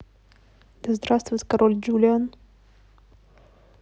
да здравствует король джулиан